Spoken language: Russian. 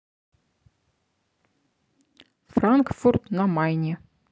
франкфурт на майне